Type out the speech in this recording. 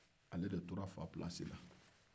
ale de tora fa pilasi la